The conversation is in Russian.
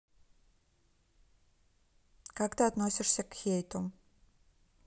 как ты относишься к хейту